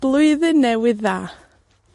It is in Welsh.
Blwyddyn Newydd Dda.